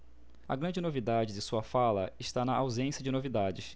a grande novidade de sua fala está na ausência de novidades